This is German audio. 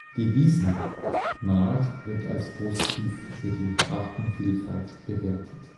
Die Wiesenmahd wird als positiv für die Artenvielfalt bewertet